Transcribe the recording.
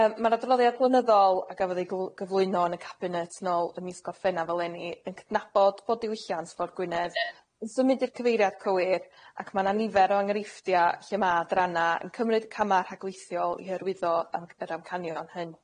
Yy ma'r adroddiad blynyddol a gafodd ei gl- gyflwyno yn y Cabinet nôl ym mis Gorffennaf eleni yn cydnabod bod Diwylliant Ffordd Gwynedd yn symud i'r cyfeiriad cywir ac ma' 'na nifer o enghreifftia lle ma' adranna yn cymryd cama' rhagweithiol i hyrwyddo am- yr amcanion hyn.